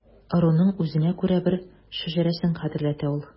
Ыруның үзенә күрә бер шәҗәрәсен хәтерләтә ул.